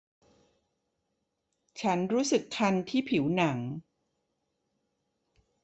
ฉันรู้สึกคันที่ผิวหนัง